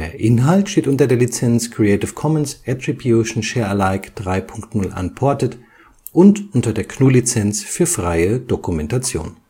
Inhalt steht unter der Lizenz Creative Commons Attribution Share Alike 3 Punkt 0 Unported und unter der GNU Lizenz für freie Dokumentation